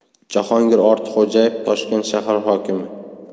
jahongir ortiqxo'jayev toshkent shahar hokimi